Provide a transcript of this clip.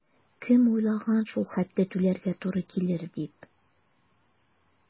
Кем уйлаган шул хәтле түләргә туры килер дип?